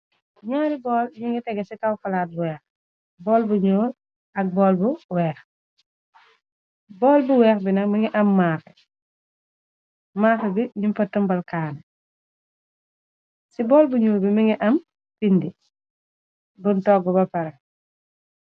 Nyaari bool yu nga teg ci kawfalaat weex bool bu ñuul ak bool bu weex bool bu weex bi na mingi am maaxe maaxe bi yum fa tëmbalkaane ci bool bu ñyuul bi mi ngi am pindi bun togg ba pare.